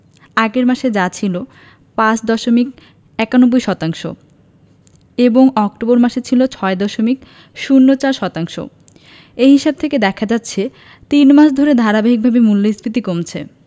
আগের মাসে যা ছিল ৫ দশমিক ৯১ শতাংশ এবং অক্টোবর মাসে ছিল ৬ দশমিক ০৪ শতাংশ এ হিসাব থেকে দেখা যাচ্ছে তিন মাস ধরে ধারাবাহিকভাবেই মূল্যস্ফীতি কমেছে